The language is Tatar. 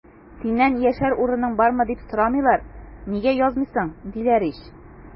Синнән яшәр урының бармы, дип сорамыйлар, нигә язмыйсың, диләр ич!